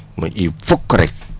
mooy il foog rek